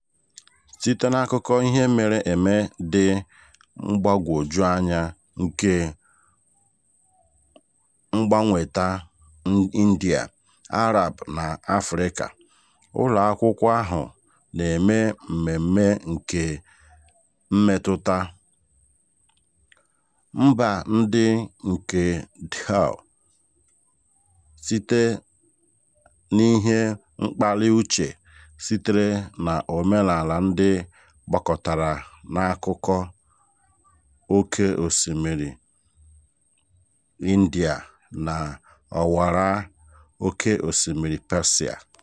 Site n'akụkọ ihe mere eme dị mgbagwoju anya nke mgbanweta India, Arab na Afịrịka, ụlọakwụkwọ ahụ na-eme mmemme nke mmetụta "mba ndị nke dhow", site n'ihe mkpali uche sitere n'omenaala ndị gbakọtara n'akụkụ Oké Osimiri India na Ọwara Oké Osimiri Persia.